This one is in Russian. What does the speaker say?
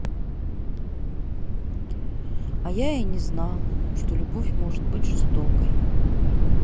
а я и не знал что любовь может быть жестокой